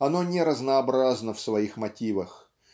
Оно не разнообразно в своих мотивах